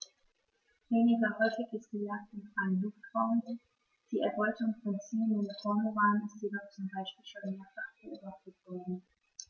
Weniger häufig ist die Jagd im freien Luftraum; die Erbeutung von ziehenden Kormoranen ist jedoch zum Beispiel schon mehrfach beobachtet worden.